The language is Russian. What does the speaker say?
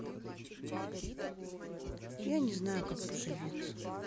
я не знаю как поживиться